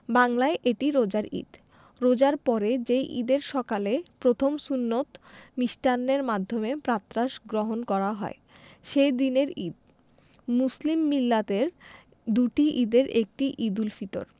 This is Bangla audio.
বাংলায় এটি রোজার ঈদ রোজার পরে যে ঈদের সকালে প্রথম সুন্নত মিষ্টান্নের মাধ্যমে প্রাতরাশ গ্রহণ করা হয় সে দিনের ঈদ মুসলিম মিল্লাতের দুটি ঈদের একটি ঈদুল ফিতর